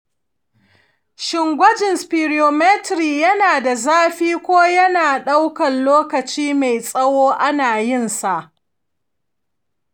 shin gwajin spirometry yana da zafi ko yana ɗaukar lokaci mai tsawo ana yin sa?